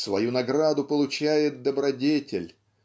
свою награду получает добродетель